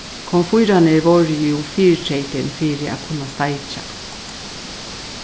komfýrarnir vóru jú fyritreytin fyri at kunna steikja